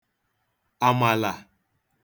àmàlà